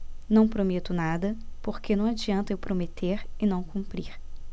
não prometo nada porque não adianta eu prometer e não cumprir